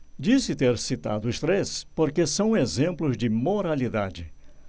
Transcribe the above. disse ter citado os três porque são exemplos de moralidade